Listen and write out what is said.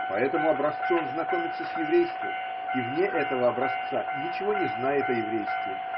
По этому образцу он знакомится с еврейством, и вне этого образца ничего не знает о еврействе